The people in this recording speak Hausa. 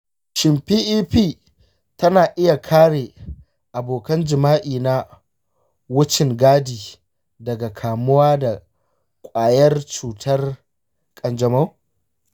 shin prep tana iya kare abokan jima'i na wucin-gadi daga kamuwa da ƙwayar cutar kanjamau?